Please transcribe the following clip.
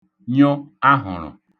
nyụ aḣụ̀ṙụ̀